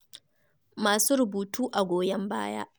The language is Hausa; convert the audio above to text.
Masu rubutu a goyon baya